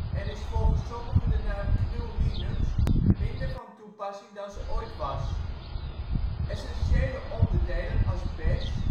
en is volgens sommigen de naam GNU/Linux minder van toepassing dan ze ooit was. Essentiële onderdelen als Bash